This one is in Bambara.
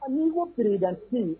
A ni ko présente